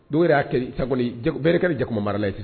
Dɔw de y'a kɛ sabali bere kari jakuma mara la sisan